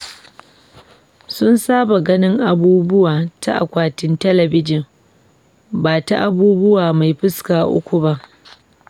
Sun saba ganin abubuwa ta akwatin talabijin, ba ta abu mai fuska uku ba.